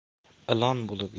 ilon bo'lib yashagandan